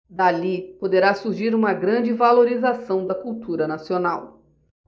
dali poderá surgir uma grande valorização da cultura nacional